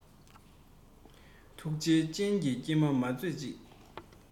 ཐུགས རྗེའི སྤྱན གྱིས སྐྱེལ མ མཛོད ཅིག